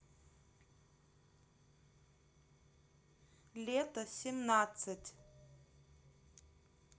лето семнадцать